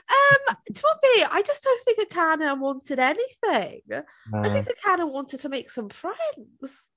Yym tibod be? I just don't think Ikenna wanted anything. I think Ikenna wanted to make some friends.